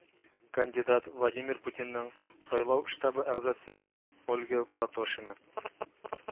Кандидат владимир путинның сайлау штабы әгъзасы ольга платошина